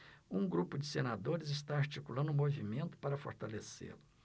um grupo de senadores está articulando um movimento para fortalecê-lo